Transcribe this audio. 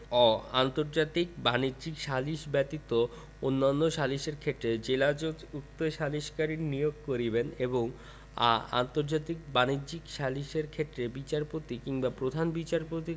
অ আন্তর্জাতিক বাণিজ্যিক সালিস ব্যতীত অন্যান্য সালিসের ক্ষেত্রে জেলাজজ উক্ত সালিসকারী নিয়োগ করিবেন এবং আ আন্তর্জাতিক বাণিজ্যিক সালিসের ক্ষেত্রে বিচারপতি কিংবা প্রধান বিচারপতি